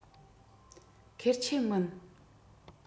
ཁེར ཆད མིན